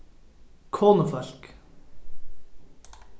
konufólk